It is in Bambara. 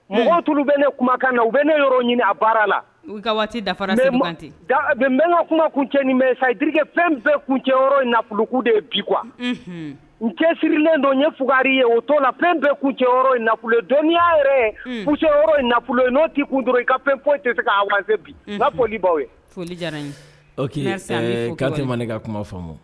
Mɔgɔ tu bɛ ne kumakan na u bɛ ne yɔrɔ ɲini a baara la waati dafara bɛn bɛn ka kuma kun cɛ ni sa d fɛn bɛɛ kuncɛ nafoloku de ye bi kuwa n cɛ sirilen don ye fugri ye o' la fɛn bɛɛ kuncɛ don ni y'a yɛrɛ kusɔ nafolo ye n'o kun i ka foyi tɛ se k' wa bi foliolilibaw k kuma fɔ